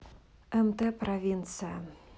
мт провинция